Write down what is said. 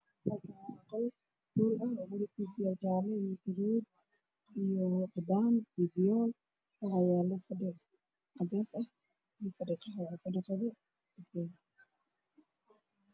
Hal kaan waa qol midab kiisu yahay gaduud iyo jaale